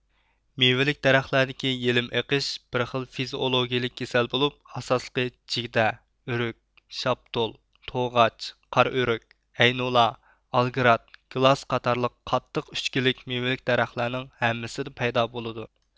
مېۋىلىك دەرەخلەردىكى يېلىم ئېقىش بىر خىل فىزىئولوگىيىلىك كېسەل بولۇپ ئاساسلىقى جىگدە ئۆرۈك شاپتۇل توغاچ قارائۆرۈك ئەينۇلا ئالگرات گىلاس قاتارلىق قاتتىق ئۈچكىلىك مېۋىلىك دەرەخلەرنىڭ ھەممىسىدە پەيدا بولىدۇ